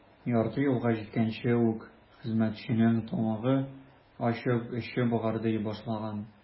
Ярты юлга җиткәнче үк хезмәтченең тамагы ачып, эче быгырдый башлаган.